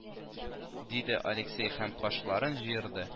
Диде алексей һәм кашларын җыерды